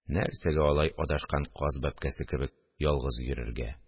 Нәрсәгә алай адашкан каз бәбкәсе кебек ялгыз йөрергә